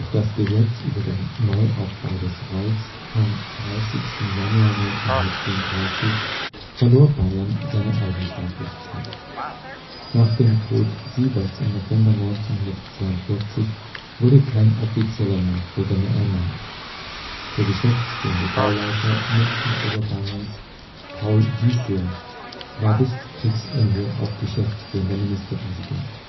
das Gesetz über den Neuaufbau des Reichs vom 30. Januar 1934 verlor Bayern seine Eigenstaatlichkeit. Nach dem Tod Sieberts im November 1942 wurde kein offizieller Nachfolger mehr ernannt, der geschäftsführende Gauleiter München-Oberbayerns Paul Giesler war bis Kriegsende auch geschäftsführender Ministerpräsident